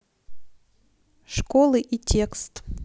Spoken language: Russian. школы и текст